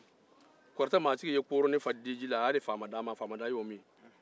kɔrɔtɛmaasigi ye koro fa diji la k'a di faama daa ma o y'o min